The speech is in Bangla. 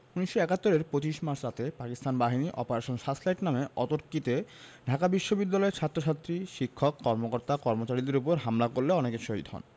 ১৯৭১ এর ২৫ মার্চ রাতে পাকিস্তান বাহিনী অপারেশন সার্চলাইট নামে অতর্কিতে ঢাকা বিশ্ববিদ্যালয়ের ছাত্রছাত্রী শিক্ষক কর্মকর্তা কর্মচারীদের উপর হামলা করলে অনেকে শহীদ হন